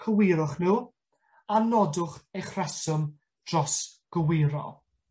Cywirwch nw, a nodwch eich rheswm dros gywiro.